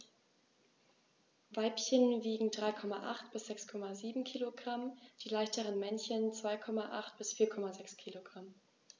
Weibchen wiegen 3,8 bis 6,7 kg, die leichteren Männchen 2,8 bis 4,6 kg.